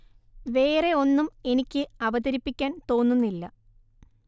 വേറെ ഒന്നും എനിക്ക് അവതരിപ്പിക്കാൻ തോന്നുന്നില്ല